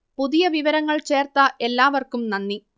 പുതിയ വിവരങ്ങൾ ചേർത്ത എല്ലാവർക്കും നന്ദി